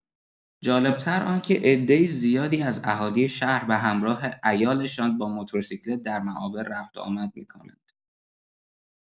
جالب‌تر آنکه عدۀ زیادی از اهالی شهر به همراه عیالشان با موتورسیکلت در معابر رفت‌وآمد می‌کنند.